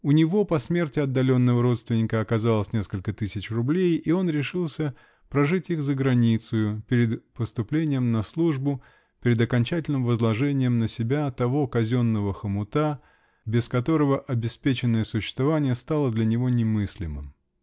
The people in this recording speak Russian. У него, по смерти отдаленного родственника, оказалось несколько тысяч рублей -- и он решился прожить их за границею, перед поступлением на службу, перед окончательным возложением на себя того казенного хомута, без которого обеспеченное существование стало для него немыслимым.